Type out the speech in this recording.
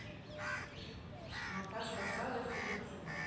монтаж фасада фиброцемент